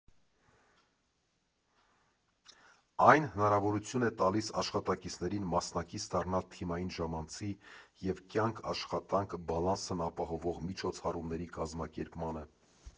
Այն հնարավորություն է տալիս աշխատակիցներին մասնակից դառնալ թիմային ժամանցի և կյանք֊աշխատանք բալանսն ապահովող միջոցառումների կազմակերպմանը։